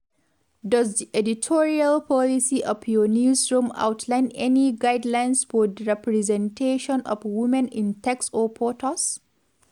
Does the editorial policy of your newsroom outline any guidelines for the representation of women in text or photos?